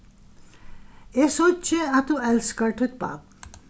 eg síggi at tú elskar títt barn